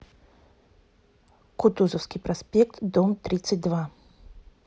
кутузовский проспект дом тридцать два